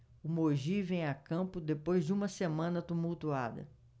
o mogi vem a campo depois de uma semana tumultuada